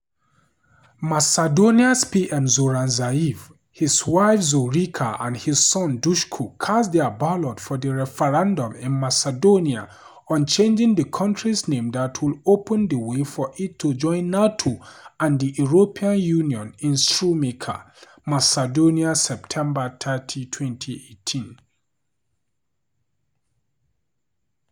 Macedonia's PM Zoran Zaev, his wife Zorica and his son Dushko cast their ballot for the referendum in Macedonia on changing the country's name that would open the way for it to join NATO and the European Union in Strumica, Macedonia September 30, 2018.